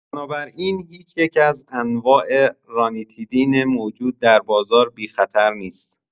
بنابراین هیچ‌یک از انواع رانیتیدین موجود در بازار بی‌خطر نیست.